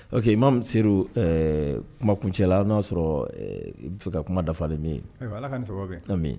Ɔ que i ma se kuma kuncɛ la n' y'a sɔrɔ bɛ ka kuma dafa min ye ala ka sababu ka